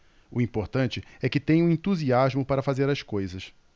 o importante é que tenho entusiasmo para fazer as coisas